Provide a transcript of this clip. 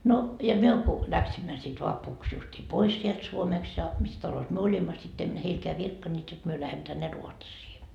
no ja me kun lähdimme sitten vapuksi justiin pois sieltä Suomesta ja missä talossa me olimme sitten emme heillekään virkkaneet jotta me lähdemme tänne Ruotsiin